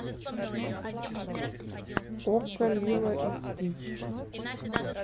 окко лило и стич